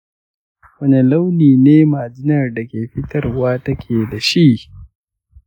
wane launi ne majinar da kake fitarwa take da shi?